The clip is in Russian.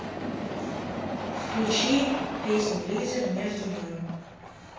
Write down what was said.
включи песню лизер между нами